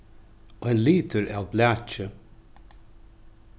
ein litur av blaki